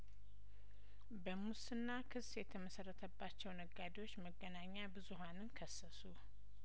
በሙስና ክስ የተመሰረተባቸው ነጋዴዎች መገናኛ ብዙሀንን ከሰሱ